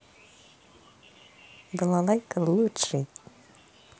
балалайка лучший